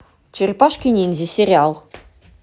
черепашки ниндзя сериал